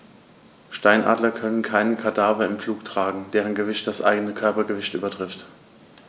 Steinadler können keine Kadaver im Flug tragen, deren Gewicht das eigene Körpergewicht übertrifft.